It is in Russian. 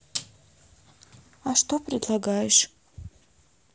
а что предлагаешь